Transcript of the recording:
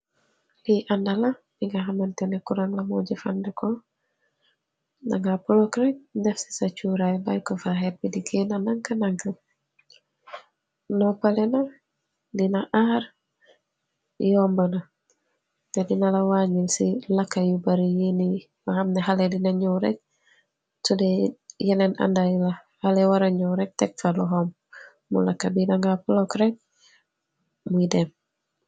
Lii aanda la binga hamanteh neh kurang lamor jeufandikor, danga pluck rk def c sa churai baikor fa hehtt bi di genah ndankah ndankah, nopaleh na, dina aarr, yomba na teh dina la waanjil ci laka yu bari yehnayi, nga hamneh haleh yii dinen njow rk sudae yenen aanda yii la, haleh wara njow rk tek fa lohom mu lakah, bii danga pluck rk mui dem.